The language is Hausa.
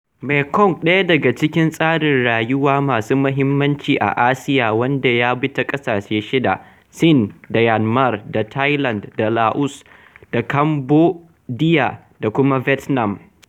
Mekong ɗaya ne daga cikin tsarin ruwa masu muhimmanci a Asiya wanda ya bi ta ƙasashe shida: Sin da Myanmar da Thailand da Laos da Cambodiya da kuma vietnam.